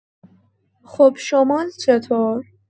خب شمال چطور؟